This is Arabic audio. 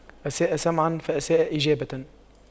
أساء سمعاً فأساء إجابة